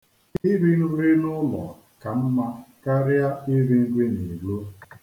Iri nri n'ụlọ ka mma karịa iri nri n'iro.